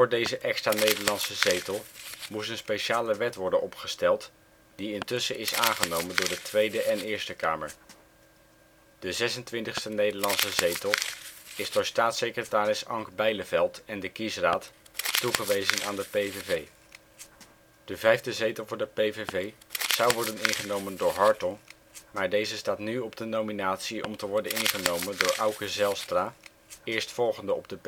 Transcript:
deze extra Nederlandse zetel moest een speciale wet worden opgesteld, die intussen is aangenomen door de Tweede en Eerste Kamer. De 26e Nederlandse zetel is door staatssecretaris Ank Bijleveld en de Kiesraad toegewezen aan de PVV. De vijfde zetel voor de PVV zou worden ingenomen door Hartong, maar deze staat nu op de nominatie om te worden ingenomen door Auke Zijlstra, eerstvolgende op de